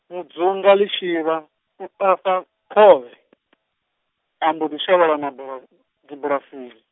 Mudzunga Lishivha, u ofha khovhe , a mbo ḓi shavhela mabula, dzibulasini.